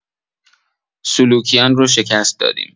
سلوکیان رو شکست دادیم.